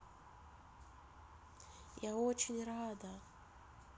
я очень рада